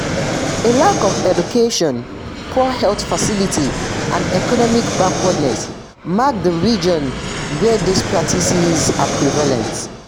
A lack of education, poor health facilities and economic backwardness mark the regions where these practices are prevalent.